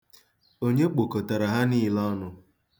Onye kpokọtara ha niile ọnụ?